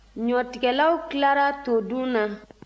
ɲɔtigɛlaw tilara todun na